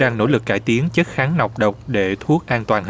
đang nỗ lực cải tiến chất kháng nọc độc để thuốc an toàn